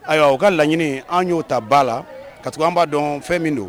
Ayiwa u ka laɲini an y'o ta ba la, ka tugu an b'a dɔn fɛn min don